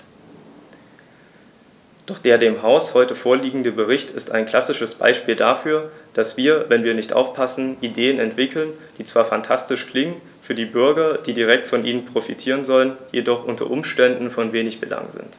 Doch der dem Haus heute vorliegende Bericht ist ein klassisches Beispiel dafür, dass wir, wenn wir nicht aufpassen, Ideen entwickeln, die zwar phantastisch klingen, für die Bürger, die direkt von ihnen profitieren sollen, jedoch u. U. von wenig Belang sind.